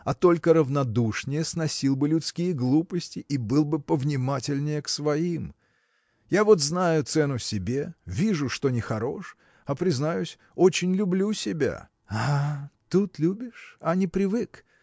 а только равнодушнее сносил бы людские глупости и был бы повнимательнее к своим. Я вот знаю цену себе вижу что нехорош а признаюсь очень люблю себя. – А! тут любишь, а не привык!